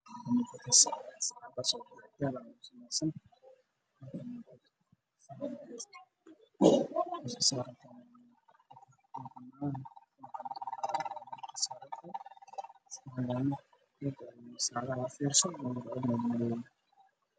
Waa saacad midab dahabi daawi